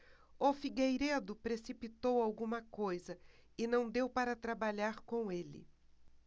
o figueiredo precipitou alguma coisa e não deu para trabalhar com ele